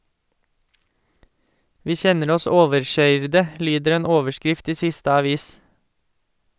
"Vi kjenner oss overkøyrde" , lyder en overskrift i siste avis.